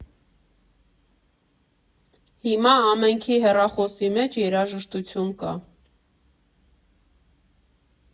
Հիմա ամենքի հեռախոսի մեջ երաժշտություն կա։